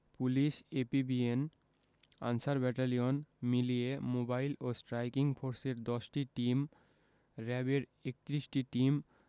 police APBN Ansar battalion মিলিয়ে mobile ও striking ফোর্সের ১০টি টিম র ্যাবের ৩১টি টিম